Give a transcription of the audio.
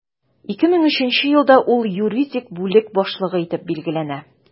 2003 елда ул юридик бүлек башлыгы итеп билгеләнә.